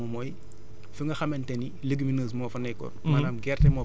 li ñu gën a taamu mooy fi nga xamante ni légumineuse moo fa nekkoon